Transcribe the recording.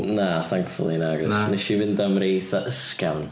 Na thankfully nagoes... Na. ...Wnes i fynd am rei eitha ysgafn.